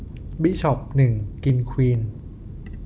บิชอปหนึ่งกินควีน